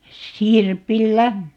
sirpillä